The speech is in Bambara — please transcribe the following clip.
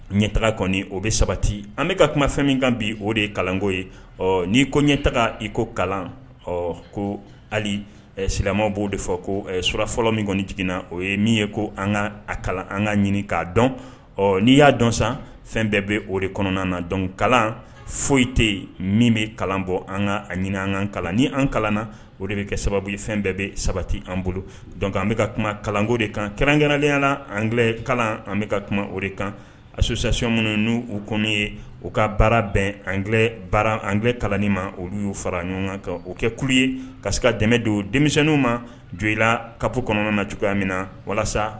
Ɲɛ taga kɔni o bɛ sabati an bɛka ka kuma fɛn min kan bi o de ye kalanko ye ɔ n'i ko ɲɛ taga iko ko kalan ɔ ko hali silamɛw b'o de fɔ ko sura fɔlɔ min kɔni jiginna o ye min ye ko an ka a kalan an ka ɲini k kaa dɔn ɔ n'i y'a dɔn san fɛn bɛɛ bɛ o de kɔnɔna na dɔn kalan foyi tɛ yen min bɛ kalan bɔ an ka a ɲini an ka kalan ni an kalan na o de bɛ kɛ sababu fɛn bɛɛ bɛ sabati an bolo dɔnc an bɛka ka kuma kalanko de kan kɛrɛnkɛrɛnnenyala an kalan an bɛka ka kuma o de kan a susasiy minnu n' u kɔni ye u ka baara bɛn an angɛ kalan ma olu y'u fara ɲɔgɔn kan kan o kɛ kurun ye ka se ka dɛmɛ don denmisɛnninw ma jo i la kako kɔnɔna na cogoya min na walasa